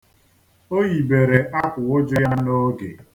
O yibere akwaụjụ ya n'oge.